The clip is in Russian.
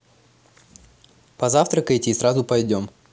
позавтракаете и сразу пойдем